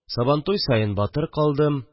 Сабантуй саен батыр калдым